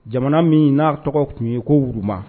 Jamana min n'a tɔgɔ tun ye kouruba